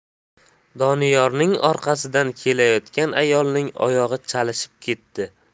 doniyorning orqasidan kelayotgan ayolning oyog'i chalishib ketdi